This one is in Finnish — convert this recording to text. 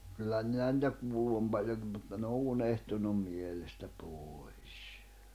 kyllä minä niitä kuullut olen paljonkin mutta ne on unohtunut mielestä pois